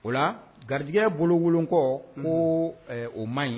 O la garijɛgɛ bolo wolo kɔ ko o man ɲi